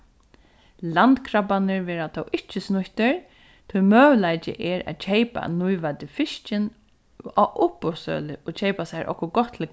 landkrabbarnir verða tó ikki snýttir tí møguleiki er at keypa nýveiddu fiskin á uppboðssølu og keypa sær okkurt gott til